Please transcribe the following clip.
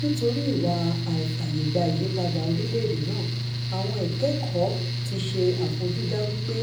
nítorí ìwà àifààyègba-ìyípadà orílẹ̀-èdè náà, àwọn ìkẹ́kọ̀ọ́ ti ṣe àfojúda wí pé